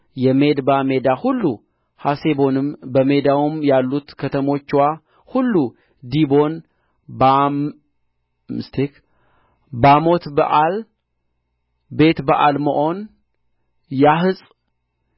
የሜድባ ሜዳ ሁሉ ሐሴቦንም በሜዳውም ያሉት ከተሞችዋ ሁሉ ዲቦን ባሞትበኣል ቤትበኣልምዖን ያሀጽ